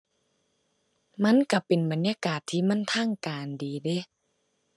มันก็เป็นบรรยากาศที่มันทางการดีเดะ